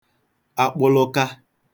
akpụlụka